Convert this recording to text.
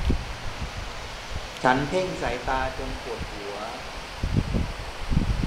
ฉันเพ่งสายตาจนปวดหัว